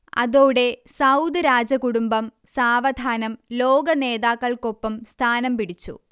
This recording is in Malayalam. അതോടെ സൗദ് രാജകുടുംബം സാവധാനം ലോക നേതാക്കൾക്കൊപ്പം സ്ഥാനം പിടിച്ചു